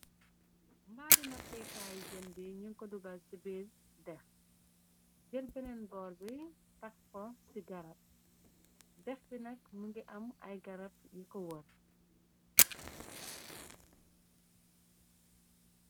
Mbaali nap pé kaay jën bi ñi ko dugal ci biir dex. Jër beneen boor bi tax ko ci garab, dex bi nak mungi am ay garab yi ko wor.